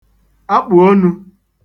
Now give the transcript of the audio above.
akpụ̀onū